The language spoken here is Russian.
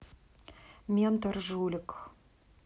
ментор жулик